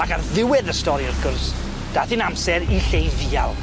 Ac ar ddiwedd y stori wrth gwrs dath 'i'n amser i Llei ddial.